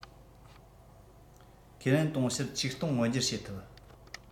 ཁས ལེན དུང ཕྱུར ༡༠༠༠ མངོན འགྱུར བྱེད ཐུབ